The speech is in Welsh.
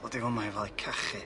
Dod i fyma efo'i cachu.